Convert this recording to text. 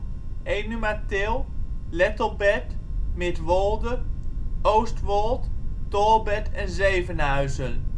Enumatil, Lettelbert, Midwolde, Oostwold, Tolbert en Zevenhuizen